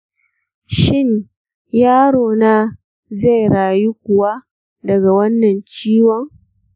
shin yaro na zai rayu kuwa daga wannan ciwon?